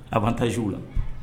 A bɛ taazw la